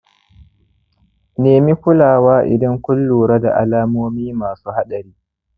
nemi kulawa idan kun lura da alamomi masu haɗari